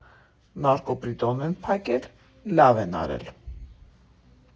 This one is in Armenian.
Նառկոպրիտոն են փակել, լավ են արել։